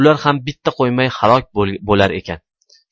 ular ham bitta quymay halok bo'lar ekan